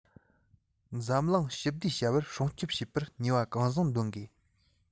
འཛམ གླིང ཞི བདེའི བྱ བར སྲུང སྐྱོབ བྱེད པར ནུས པ གང བཟང འདོན དགོས